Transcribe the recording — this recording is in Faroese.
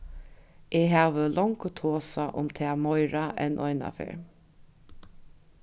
eg havi longu tosað um tað meira enn eina ferð